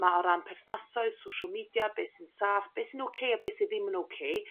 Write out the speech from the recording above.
'ma o ran perthnasoedd social media be' sy'n saff be' sy'n ok a be sy ddim yn ok.